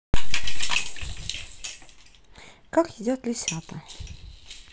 как едят лисята